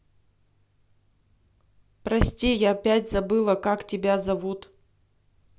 прости я опять забыла как тебя зовут